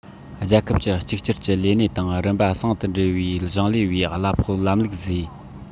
རྒྱལ ཁབ ཀྱི གཅིག གྱུར གྱི ལས གནས དང རིམ པ ཟུང དུ འབྲེལ བའི གཞུང ལས པའི གླ ཕོགས ལམ ལུགས བཟོས